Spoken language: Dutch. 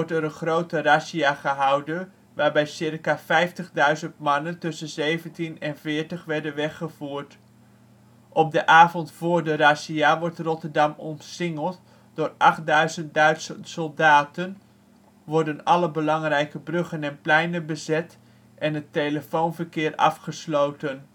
een grote razzia gehouden waarbij circa 50.000 mannen tussen 17 en 40 werden weggevoerd. Op de avond voor de razzia wordt Rotterdam omsingeld door 8000 Duitse soldaten, worden alle belangrijke bruggen en pleinen bezet en het telefoonverkeer afgesloten